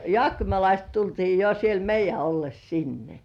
jaakkimalaiset tultiin jo siellä meidän ollessa sinne